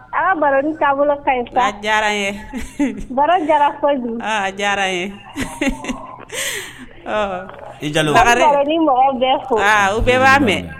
Aa baro ni taabolo ka diyara ye baro jara diyara ye ɔ jalo ni mɔgɔ bɛ aa u bɛɛ b'a mɛn